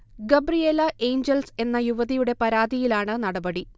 Gabriela Angels എന്ന യുവതിയുടെ പരാതിയിലാണ് നടപടി